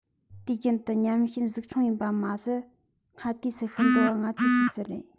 དུས རྒྱུན དུ ཉམས ཞན གཟུགས ཆུང ཡིན པ མ ཟད སྔ དུས སུ ཤི འགྲོ བ ང ཚོས ཤེས གསལ རེད